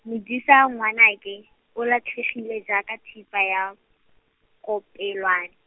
Modisa ngwanake, o latlhegile jaaka thipa ya, kopelwane.